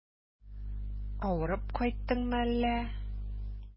Авырып кайттыңмы әллә?